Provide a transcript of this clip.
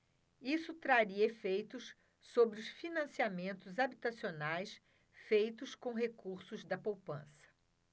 isso traria efeitos sobre os financiamentos habitacionais feitos com recursos da poupança